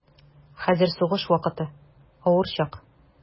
Хәзер сугыш вакыты, авыр чак.